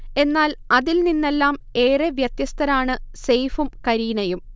എന്നാൽ, അതിൽ നിന്നെല്ലാംഏറെ വ്യത്യസ്തരാണ് സെയ്ഫും കരീനയും